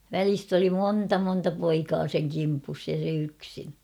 välistä oli monta monta poikaa sen kimpussa ja se yksin